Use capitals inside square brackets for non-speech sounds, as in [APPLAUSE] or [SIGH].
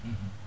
[HESITATION] [HESITATION]